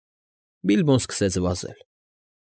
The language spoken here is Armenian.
Բիլբոն սկսեց վազել։